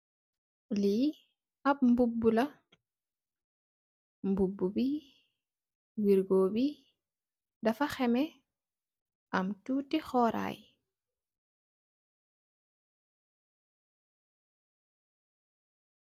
Li ap mbubu la mbubu bi wergo bi dafa xemee am tuti xoray